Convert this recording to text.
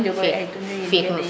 gan njego ay *